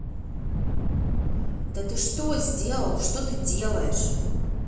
да ты что сделал что ты делаешь